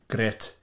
Grêt.